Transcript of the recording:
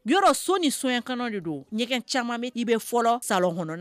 Yɔrɔ so ni soɲɛkɔnɔw de don. Ɲɛkɛn caman bɛ i be fɔlɔ salon